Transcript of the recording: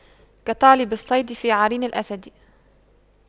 كطالب الصيد في عرين الأسد